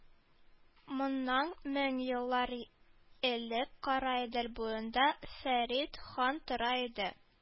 Моннан мең еллар элек Кара Идел буенда Фәрит хан тора иде.